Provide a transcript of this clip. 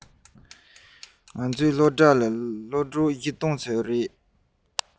ང ཚོའི སློབ གྲྭར སློབ ཕྲུག ༤༠༠༠ ལྷག ཙམ ཡོད རེད